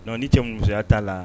Don ni cɛ musoya t'a la